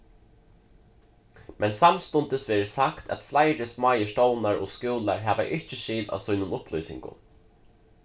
men samstundis verður sagt at fleiri smáir stovnar og skúlar hava ikki skil á sínum upplýsingum